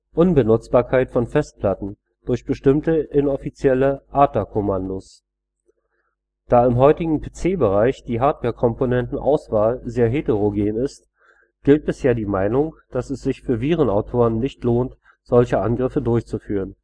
Unbenutzbarkeit von Festplatten durch bestimmte inoffizielle ATA-Kommandos. Da im heutigen PC-Bereich die Hardwarekomponentenauswahl sehr heterogen ist, gilt bisher die Meinung, dass es sich für Virenautoren nicht lohnt, solche Angriffe durchzuführen